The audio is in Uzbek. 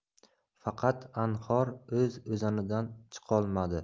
faqat anhor o'z o'zanidan chiqolmadi